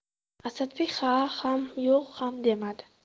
asadbek ha ham yo'q ham demadi